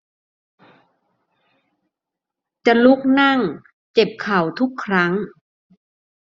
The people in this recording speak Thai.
จะลุกนั่งเจ็บเข่าทุกครั้ง